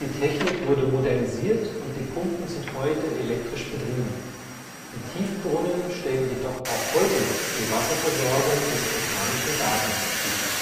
Technik wurde modernisiert und die Pumpen sind heute elektrisch betrieben, die Tiefbrunnen stellen jedoch auch heute noch die Wasserversorgung des Botanischen Gartens sicher